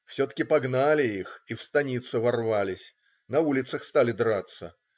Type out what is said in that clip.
Все-таки погнали их и в станицу ворвались. На улицах стали драться.